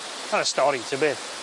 Dyna'r stori ta beth.